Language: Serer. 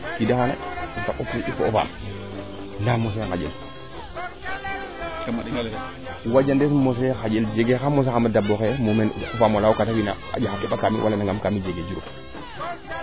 xa qiida xaana o ga o faam ndaa meeke nganjan wajanes mose xanjel jege xa mosa xama dabooxe muumeen o faamo laawo kaate fina wala nangam kaami jege